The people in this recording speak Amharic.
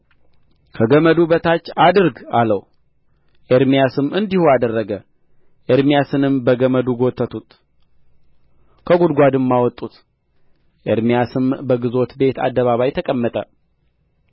ከገመዱ በታች አድርግ አለው ኤርምያስም እንዲሁ አደረገ ኤርምያስንም በገመዱ ጐተቱት ከጕድጓድም አወጡት ኤርምያስም በግዞት ቤት አደባባይ ተቀመጠ